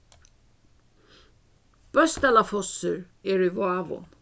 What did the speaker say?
bøsdalafossur er í vágum